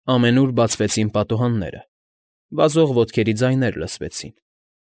Ամենուր բացվեցին պատուհանները, վազող ոտքերի ձայներ լսվեցին։